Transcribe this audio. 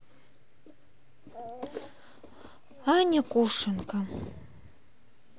аня кушенко